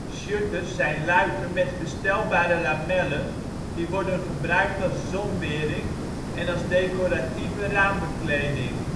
Shutters zijn luiken met verstelbare lamellen, die worden gebruikt als zonwering en als decoratieve raambekleding